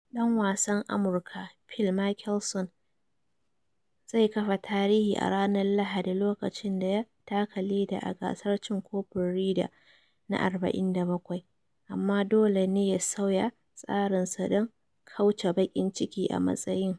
Dan wasan Amurka Phil Mickelson zai kafa tarihi a ranar Lahadi lokacin da ya taka leda a gasar cin kofin Ryder na 47, amma dole ne ya sauya tsarinsa don kauce baƙin ciki a matsayin.